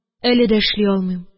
Әле дә эшли алмыйм